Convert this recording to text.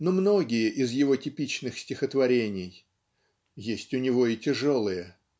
но многие из его типичных стихотворений (есть у него и тяжелые)